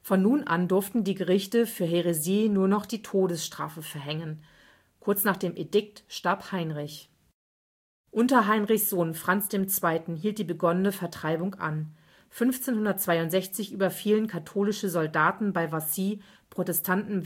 Von nun an durften die Gerichte für Häresie nur noch die Todesstrafe verhängen. Kurz nach dem Edikt starb Heinrich. Gaspard Bouttats: Bartholomäusnacht, Kupferstich Unter Heinrichs Sohn Franz II. hielt die begonnene Vertreibung an. 1562 überfielen katholische Soldaten bei Vassy Protestanten